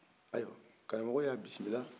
ayiwa karamɔgɔ y'a bisimila